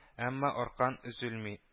Әмма аркан өзелми